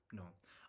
No.